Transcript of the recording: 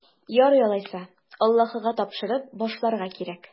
Ярый алайса, Аллаһыга тапшырып башларга кирәк.